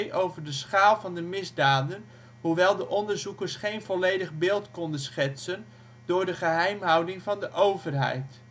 over de schaal van de misdaden (hoewel de onderzoekers geen volledig beeld kunnen schetsen door de geheimhouding van de overheid